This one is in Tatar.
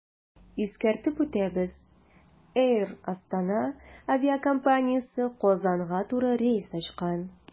Искәртеп үтәбез, “Эйр Астана” авиакомпаниясе Казанга туры рейс ачкан.